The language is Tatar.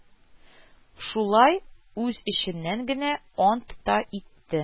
Шулай үз эченнән генә ант та итте